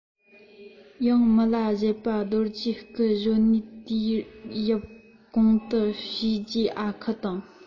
ཡང མི ལ བཞད པ རྡོ རྗེ སྐུ གཞོན ནུའི དུས ཡབ གུང དུ གཤེགས རྗེས ཨ ཁུ དང